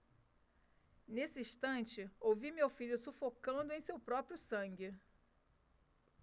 nesse instante ouvi meu filho sufocando em seu próprio sangue